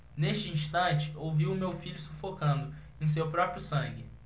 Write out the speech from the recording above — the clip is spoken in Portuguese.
nesse instante ouvi meu filho sufocando em seu próprio sangue